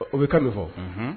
O be kan min fɔ. Unhun